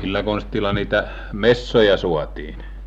millä konstilla niitä metsoja saatiin